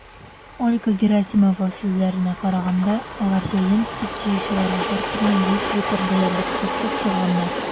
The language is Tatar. Ольга Герасимова сүзләренә караганда, алар җәен сөт җыючыларга һәркөнне 100 литр диярлек сөт тапшырганнар.